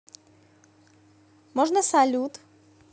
можно салют